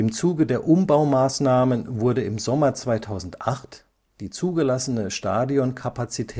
Zuge der Umbaumaßnahmen wurde im Sommer 2008 die zugelassene Stadionkapazität